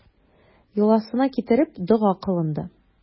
Йоласына китереп, дога кылынды.